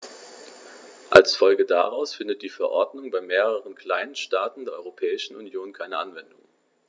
Als Folge daraus findet die Verordnung bei mehreren kleinen Staaten der Europäischen Union keine Anwendung.